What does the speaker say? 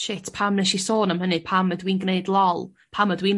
Shit pam nes i sôn am hynny pam ydw i'n gwneud lol pam ydw i'n